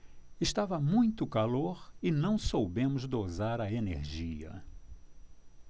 estava muito calor e não soubemos dosar a energia